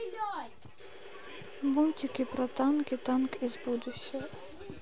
мультики про танки танк из будущего